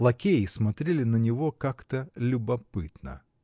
Лакеи смотрели на него как-то любопытно.